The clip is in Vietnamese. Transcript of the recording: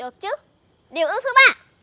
được chứ điều ước thứ ba